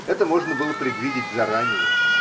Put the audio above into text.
Это можно было предвидеть заранее.